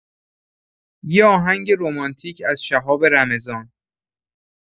یه آهنگ رمانتیک از شهاب رمضان